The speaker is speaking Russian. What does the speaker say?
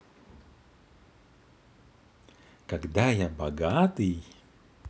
когда я богатый